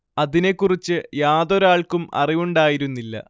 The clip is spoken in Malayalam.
അതിനെക്കുറിച്ച് യാതൊരാൾക്കും അറിവുണ്ടായിരുന്നില്ല